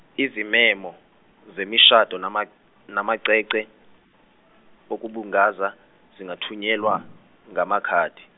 izimemo zemishado nama- namacece, okubungaza zingathunyelwa ngamakhadi.